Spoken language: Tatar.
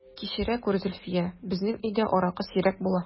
Кичерә күр, Зөлфия, безнең өйдә аракы сирәк була...